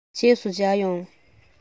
རྗེས སུ མཇལ ཡོང